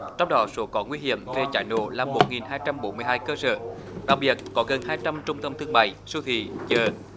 trong đó số có nguy hiểm về cháy nổ là một nghìn hai trăm bốn mươi hai cơ sở đặc biệt có gần hai trăm trung tâm thương mại siêu thị chợ